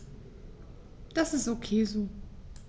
Das ist ok so.